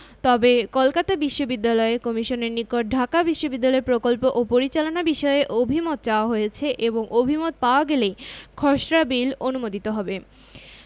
তবে কলকাতা বিশ্ববিদ্যালয় কমিশনের নিকট ঢাকা বিশ্ববিদ্যালয় প্রকল্প ও পরিচালনা বিষয়ে অভিমত চাওয়া হয়েছে এবং অভিমত পাওয়া গেলেই খসড়া বিল অনুমোদিত হবে